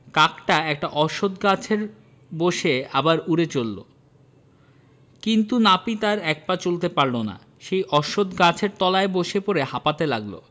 কাকটা একটা অশ্বখ গাছে বসে আবার উড়ে চলল কিন্তু নাপিত আর এক পা চলতে পারল না সেই অশ্বখ গাছের তলায় বসে পড়ে হাঁপাতে লাগল